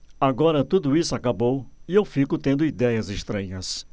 agora tudo isso acabou e eu fico tendo idéias estranhas